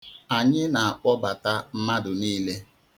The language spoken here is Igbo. Anyị na-akpọbata mmadụ niile.